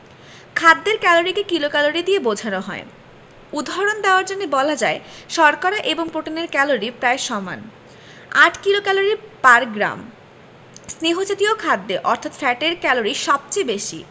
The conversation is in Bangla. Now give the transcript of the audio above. খাদ্যের ক্যালরিকে কিলোক্যালরি দিয়ে বোঝানো হয় উদাহরণ দেয়ার জন্যে বলা যায় শর্করা এবং প্রোটিনের ক্যালরি প্রায় সমান ৮ কিলোক্যালরি পার গ্রাম স্নেহ জাতীয় খাদ্যে অর্থাৎ ফ্যাটের ক্যালরি সবচেয়ে বেশি